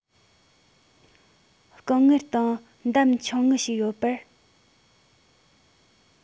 རྐང ངར སྟེང འདམ ཆུང ངུ ཞིག ཡོད པར